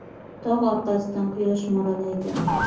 tog' orqasidan quyosh mo'ralaydi